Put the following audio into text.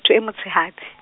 tho e motshehadi.